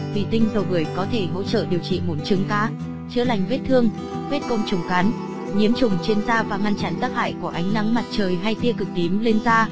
vì tinh dầu bưởi có thể hỗ trợ điều trị mụn trứng cá chữa lành vết thương vết côn trùng cắn nhiễm trùng trên da và ngăn chặn tác hại của ánh nắng mặt trời hay tia cực tím lên da